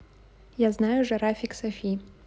я знаю жирафик софи